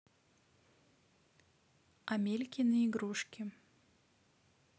амелькины игрушки